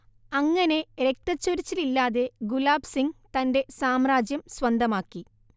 അങ്ങനെ രക്തച്ചൊരിച്ചിലില്ലാതെ ഗുലാബ് സിങ് തന്റെ സാമ്രാജ്യം സ്വന്തമാക്കി